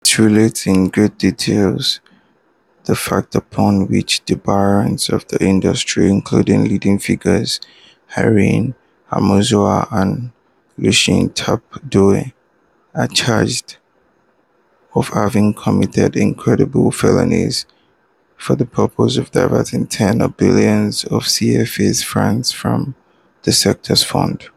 It relates in great details the facts upon which the ‘barons’ of the industry, including leading figures Henri Amouzou and Lucien Tapé Doh are charged of having committed incredible felonies for the purpose of diverting tens of billions of CFA francs from the sector's fund.